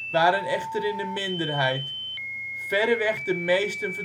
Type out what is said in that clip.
waren echter in de minderheid. Verreweg de meesten